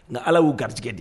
Nka Ala y'u garijɛgɛ de